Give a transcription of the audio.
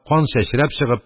Кан чәчрәп чыгып,